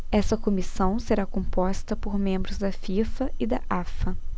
essa comissão será composta por membros da fifa e da afa